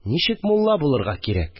Ничек мулла булырга кирәк